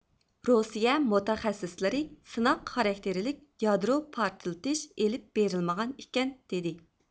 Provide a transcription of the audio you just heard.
روسىيە مۇتەخەسسىسلىرى سىناق خاراكتېرلىك يادرو پارتلىتىش ئېلىپ بېرىلمىغان ئىكەن دىدى